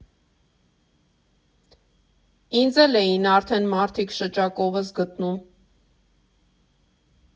Ինձ էլ էին արդեն մարդիկ շչակովս գտնում։